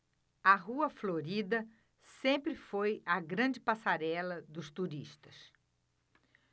a rua florida sempre foi a grande passarela dos turistas